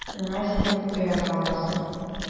Миңа син таяна аласың.